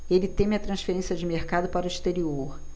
ele teme a transferência de mercado para o exterior